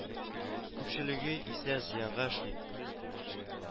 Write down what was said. Күпчелеге исә зыянга эшли